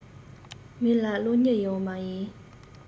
མིན ལ གློག བརྙན ཡང མ ཡིན